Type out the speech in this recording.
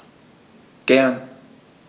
Gern.